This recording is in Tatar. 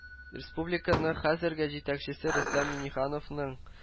Республиканы хәзерге җитәкчесе рөстәм миңнехановның